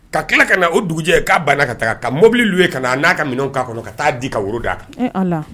Ka tila ka na o dugujɛ. K'a banna ka taa, ka mɔbili louer ka na a n'a ka minɛnw k'a kɔnɔ. Ka taa di ka woro d'a kan. Ee Ala.